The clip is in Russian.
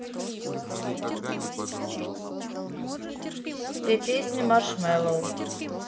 все песни маршмеллоу